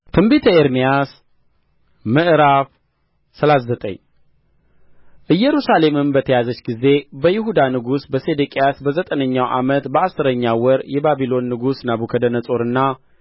ትንቢተ ኤርምያስ ምዕራፍ ሰላሳ ዘጠኝ ኢየሩሳሌምም በተያዘች ጊዜ በይሁዳ ንጉሥ በሴዴቅያስ በዘጠነኛው ዓመት በአሥረኛው ወር የባቢሎን ንጉሥ ናቡከደነፆርና